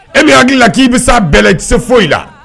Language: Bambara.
E bɛ hakili la k'i bɛ' bɛɛlɛ tɛ se foyi i la